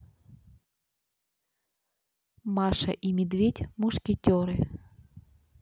маша и медведь мушкетеры